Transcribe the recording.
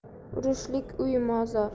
urushlik uy mozor